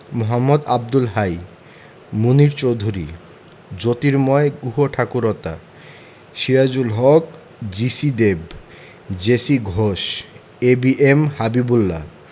Md Abdul Hai Munir Chowdhury Jyotirmoy Guhathakurta Sirajul Haque G C Dev J C Ghosh A B M Habibullah